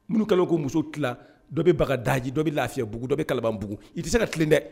Minnu kalo ko muso tila dɔ bɛbaga daji dɔ bɛ lafiyaugu dɔ bɛ kalabuguugu i tɛ se ka tilen dɛ